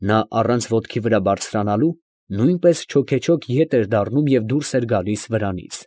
Նա առանց ոտքի վրա բարձրանալու, նույնպես չոքեչոք ետ էր դառնում և դուրս էր գալիս վրանից։